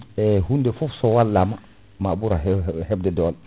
e hunde foof so wallama ma ɓuura hew hebde doole